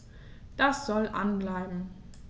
Das soll an bleiben.